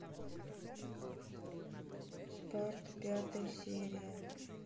спарта пятая серия